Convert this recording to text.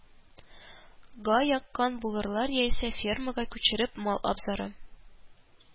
Га яккан булырлар яисә, фермага күчереп, мал абзары